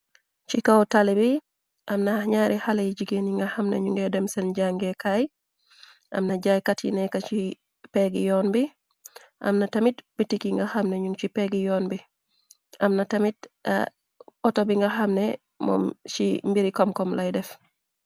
Ci kaw taali bi amna ax ñaari xale yi jigéen yi nga xamnañu ngay dem seen jange kaay amna jaaykat yi nekka ci peggi yoon bi amna tamit pitiki nga xamna ñu ci peggi yoon bi amna tamit outo bi nga xamne moo ci mbiri komkomlay def.